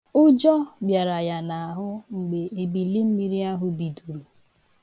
Ụjọ biara ya n'ahụ mgbe ebilimmiri ahụ bidoro.